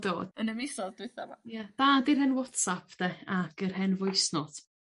Yn y misoedd dwetha 'ma ia. Dda gennyn What's App 'de ag yr hen voice note.